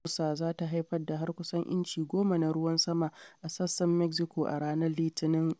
Rosa za ta haifar da har kusan inci 10 na ruwan sama a sassan Mexico a ranar Litinin.